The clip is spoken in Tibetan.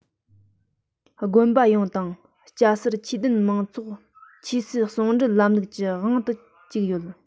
དགོན པ ཡོངས དང སྐྱ སེར ཆོས དད མང ཚོགས ཆོས སྲིད ཟུང འབྲེལ ལམ ལུགས ཀྱི དབང དུ བཅུག ཡོད